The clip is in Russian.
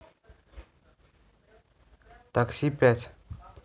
такси пять